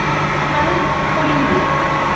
qani qo'lingni ber